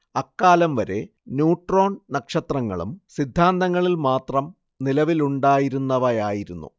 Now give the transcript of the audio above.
അക്കാലം വരെ ന്യൂട്രോൺ നക്ഷത്രങ്ങളും സിദ്ധാന്തങ്ങളിൽ മാത്രം നിലവിലുണ്ടായിരുന്നവയായിരുന്നു